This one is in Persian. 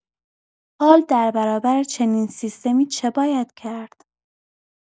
حال در برابر چنین سیستمی چه باید کرد!؟